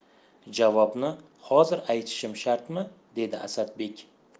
javobni hozir aytishim shartmi dedi asadbek